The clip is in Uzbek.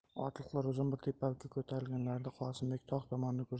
otliqlar uzun bir tepalikka ko'tarilganlarida qosimbek tog' tomonni